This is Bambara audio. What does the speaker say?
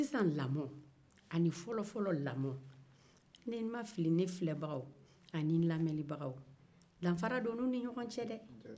sisan lamɔ ani fɔlɔfɔlɔ lamɔ ni ma fili ne filɛbagaw ani ne lajɛbagaw danfara donna u ni ɲɔgɔn dɛ